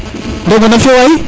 Ndongo nam fio waay